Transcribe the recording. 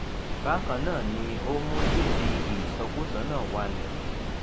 Bákan náà ni ó mú túwíìtì ìsọkúsọ náà wálẹ̀.